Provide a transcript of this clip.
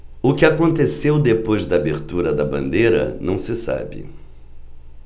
o que aconteceu depois da abertura da bandeira não se sabe